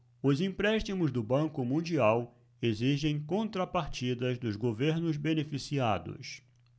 os empréstimos do banco mundial exigem contrapartidas dos governos beneficiados